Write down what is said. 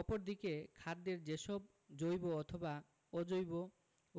অপরদিকে খাদ্যের যেসব জৈব অথবা অজৈব